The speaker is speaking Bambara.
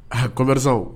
Ha commerçant